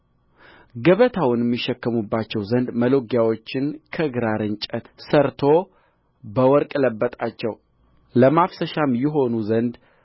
ገበታውንም ይሸከሙባቸው ዘንድ መሎጊያዎቹን ከግራር እንጨት ሠርቶ በወርቅ ለበጣቸው ለማፍሰሻም ይሆኑ ዘንድ